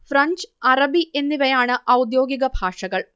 French അറബി എന്നിവയാണ് ഔദ്യോഗിക ഭാഷകൾ